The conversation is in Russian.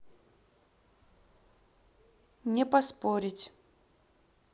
не поспорить